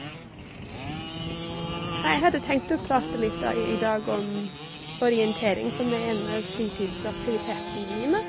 Jeg hadde tenkt å prate litt, da, i dag om orientering, som er en av fritidsaktivitetene mine.